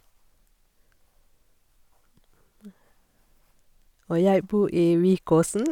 Og jeg bor i Vikåsen.